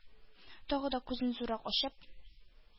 Тагы да күзен зуррак ачып,